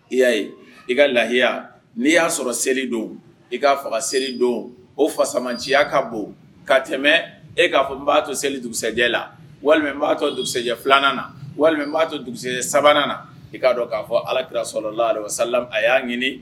I y'a ye i ka lahiya n'i y'a sɔrɔ selidon i k kaa faga selidon o fasamaciya ka bon k kaa tɛmɛ e k'a fɔ n b'a to seli dugusɛjɛ la walima b'a to dugusɛjɛ filanan na walima n b'a to dugusɛ sabanan na i k'a dɔn k'a fɔ alakiraso lala a y'a ɲini